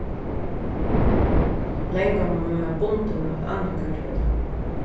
langomma mín var bundin at andingartóli